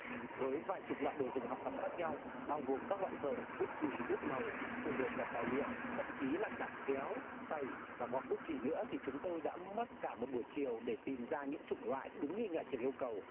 với vài chục loại đồ dùng học tập khác nhau bao gồm các loại vở bút chì bút màu phâu đờ kẹp tài liệu thậm chí là cả kéo tẩy và gọt bút chì nữa thì chúng tôi đã mất cả một buổi chiều để tìm ra những chủng loại đúng như nhà trường yêu cầu